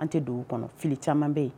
An tɛ don o kɔnɔ fili caman bɛ yen